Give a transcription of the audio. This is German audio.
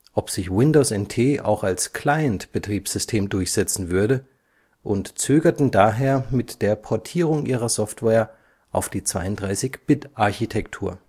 ob sich Windows NT auch als Client-Betriebssystem durchsetzen würde, und zögerten daher mit der Portierung ihrer Software auf die 32-Bit-Architektur